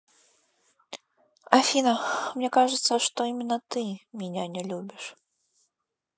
афина мне кажется что именно ты меня не любишь